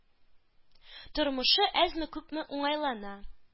Тормышы әзме-күпме уңайлана,